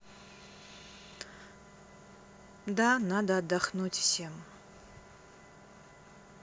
да надо отдохнуть всем